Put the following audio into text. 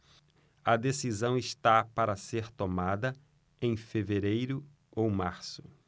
a decisão está para ser tomada em fevereiro ou março